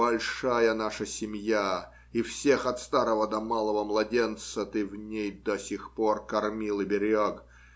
Большая наша семья, и всех, от старого до малого младенца, ты в ней до сих пор кормил и берег.